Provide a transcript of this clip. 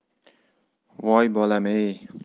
voy bolam ey